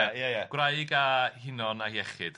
'Gwraig a hinon ac iechyd.'